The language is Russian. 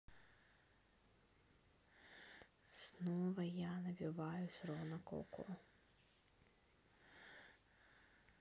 снова я напиваюсь рона коко